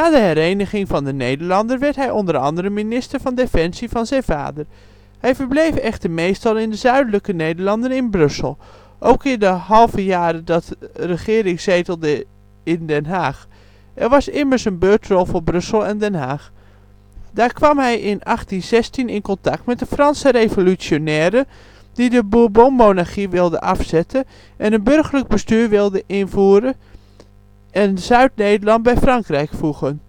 hereniging van de Nederlanden werd hij o.a. minister van defensie van zijn vader. Hij verbleef echter meestal in de Zuidelijke Nederlanden in Brussel, ook in de halve jaren dat regering zetelde in Den Haag (er was immers een beurtrol voor Brussel en Den Haag). Daar kwam hij in 1816 in contact met Franse revolutionairen die de Bourbonmonarchie wilden afzetten en een burgerlijk bestuur wilden invoeren, en Zuid-Nederland bij Frankrijk voegen